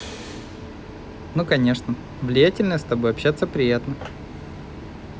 ну конечно влиятельное с тобой общаться приятно